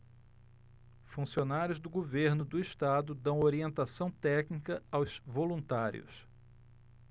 funcionários do governo do estado dão orientação técnica aos voluntários